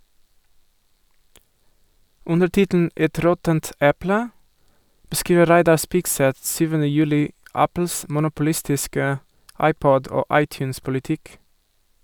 Under tittelen «Et råttent eple» beskriver Reidar Spigseth 7. juli Apples monopolistiske iPod- og iTunes-politikk.